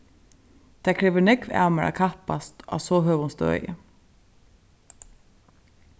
tað krevur nógv av mær at kappast á so høgum støði